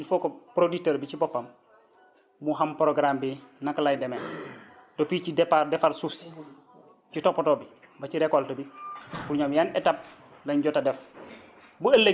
mooy que il faut que producteur bi ci boppam mu xam programme bi naka lay demee depuis ci départ defar suuf si ci toppatoo bi ba ci récolte bi pour ñoomyan étapes lañ jot a def